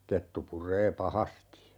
kettu puree pahasti